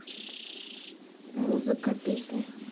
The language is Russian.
музыка песня